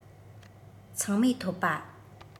ཚང མས འཐོབ པ